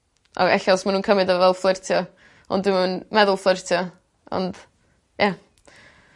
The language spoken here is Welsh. O ella os ma' nw'n cymyd o fel fflyrtio ond dyw o'm yn meddwl fflyrtio ond ia.